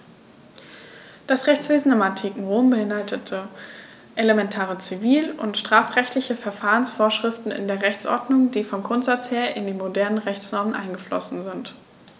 Das Rechtswesen im antiken Rom beinhaltete elementare zivil- und strafrechtliche Verfahrensvorschriften in der Rechtsordnung, die vom Grundsatz her in die modernen Rechtsnormen eingeflossen sind.